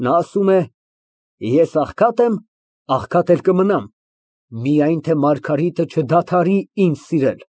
Նա ասում է. «Ես աղքատ եմ, աղքատ էլ կմնամ, միայն թե Մարգարիտը չդադարի ինձ սիրել»։